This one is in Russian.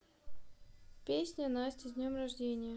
песня настя с днем рождения